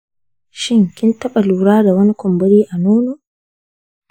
shin kin taɓa lura da wani ƙumburi a nono?